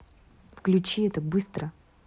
выключи это быстро